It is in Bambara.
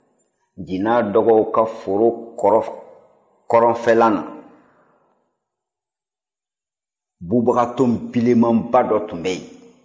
nci n'a dɔgɔw ka foro kɔrɔnfɛla na bubaganton bilenmanba dɔ tun bɛ yen